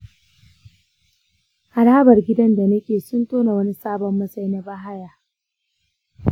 harabar gidan da nake sun tona wani sabon masai na bahaya.